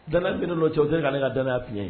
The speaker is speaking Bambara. Dan bɛna nɔ cɛw kɛ ka ka danya piye